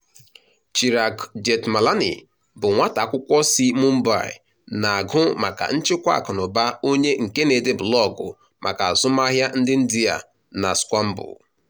Chirag Jethmalani bụ nwata akwụkwọ si Mumbai na-agụ maka nchịkwa akụnaụba onye nke na-ede blọọgụ maka azụmụahịa ndị India na Squamble.